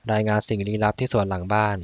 รายงานสิ่งลี้ลับที่สวนหลังบ้าน